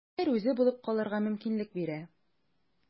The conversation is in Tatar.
Мәгәр үзе булып калырга мөмкинлек бирә.